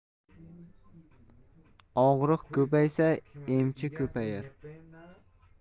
og'riq ko'paysa emchi ko'payar